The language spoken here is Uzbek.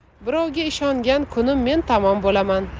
birovga ishongan kunim men tamom bo'laman